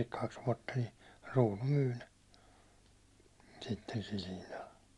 kaksi vuotta niin kruunu myi ne sitten sillä hinnalla